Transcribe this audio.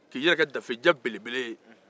k'i yɛrɛ kɛ dafejɛ belebele ye